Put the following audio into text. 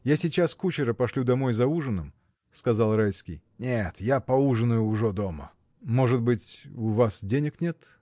Я сейчас кучера пошлю домой за ужином, — сказал Райский. — Нет, я поужинаю ужо дома. — Может быть. у вас денег нет?.